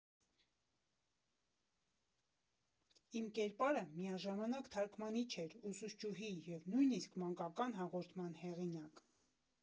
Իմ կերպարը միաժամանակ թարգմանիչ էր, ուսուցչուհի և նույնիսկ մանկական հաղորդման հեղինակ։